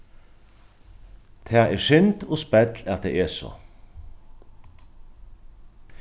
tað er synd og spell at tað er so